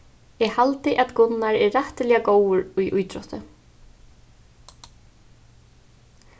eg haldi at gunnar er rættiliga góður í ítrótti